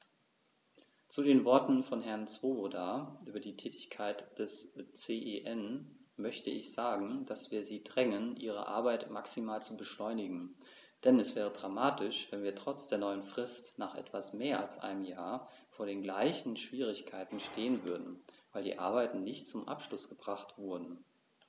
Zu den Worten von Herrn Swoboda über die Tätigkeit des CEN möchte ich sagen, dass wir sie drängen, ihre Arbeit maximal zu beschleunigen, denn es wäre dramatisch, wenn wir trotz der neuen Frist nach etwas mehr als einem Jahr vor den gleichen Schwierigkeiten stehen würden, weil die Arbeiten nicht zum Abschluss gebracht wurden.